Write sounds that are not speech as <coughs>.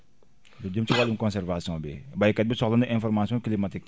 lu jëm si wàllum <coughs> conservation bi baykat bi soxla na information climatique